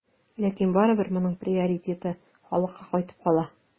Ләкин барыбер моның приоритеты халыкка кайтып кала.